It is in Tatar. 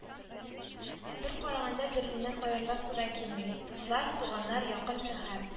Бер караганда Берлиннән аерыласы да килми. Дуслар, туганнар, якын шәһәр